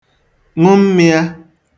ṅụ mmị̄ā